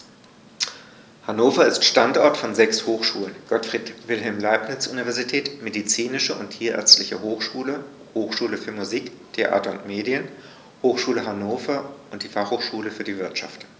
Hannover ist Standort von sechs Hochschulen: Gottfried Wilhelm Leibniz Universität, Medizinische und Tierärztliche Hochschule, Hochschule für Musik, Theater und Medien, Hochschule Hannover und die Fachhochschule für die Wirtschaft.